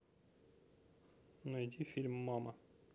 найди фильм мама